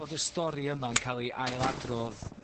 bod y stori yma yn ca'l 'i ailadrodd